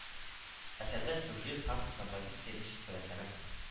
Әсәрдә сюжет һәм композиция ничек сурәтләнә соң